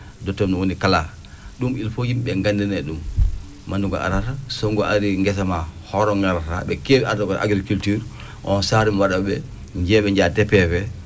de tonne kala ɗum il faut yimɓe ɓee nganndinee ɗum maa nde ngu arara so ngu arii e ngesa maa hol on ngarata ɓe keewi arde koto agriculture oon saan mi waɗaɓe wiyaɓe yo ɓe njah DPV